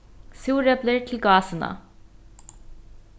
súreplir til gásina